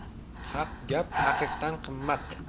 haq gap haqiqdan qimmat